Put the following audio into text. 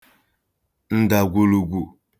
ǹdàgwùlùgwù